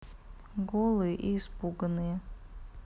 голые и испуганные